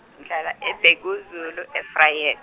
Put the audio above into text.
ngihlala, eBhekuzulu e- Vryhei-.